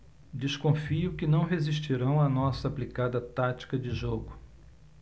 desconfio que não resistirão à nossa aplicada tática de jogo